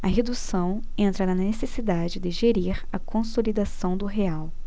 a redução entra na necessidade de gerir a consolidação do real